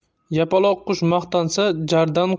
yapaloqqush maqtansa jardan